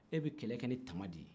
e bɛ kɛlɛ kɛ ni tama de ye